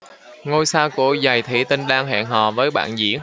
ngôi sao của giày thủy tinh đang hẹn hò với bạn diễn